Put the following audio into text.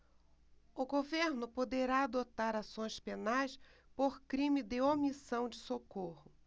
o governo poderá adotar ações penais por crime de omissão de socorro